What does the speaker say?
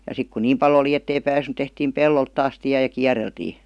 ja sitten kun niin paljon oli että ei päässyt tehtiin pellolle taas tie ja kierreltiin